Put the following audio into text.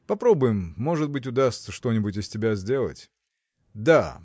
Попробуем, может быть, удастся что-нибудь из тебя сделать. Да!